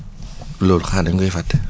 loolu xanaa dañ koy fàtte